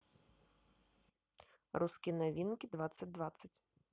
русские новинки двадцать двадцать